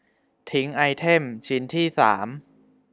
ทิ้งไอเทมชิ้นที่สาม